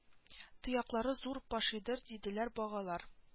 Тояклары зур пошидыр диделәр багалар